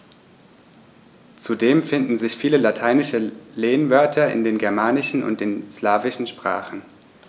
Zudem finden sich viele lateinische Lehnwörter in den germanischen und den slawischen Sprachen.